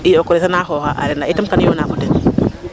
ii o kores a naa xooxaa aareer ndaa itam kaam yoonaa fo ten.